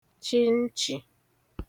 chi nchì